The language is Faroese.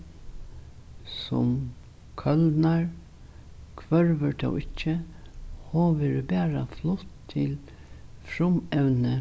sum kólnar hvørvur tó ikki hon verður bara flutt til frumevnið